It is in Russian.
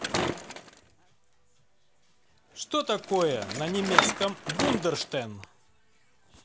что такое на немецком вундершен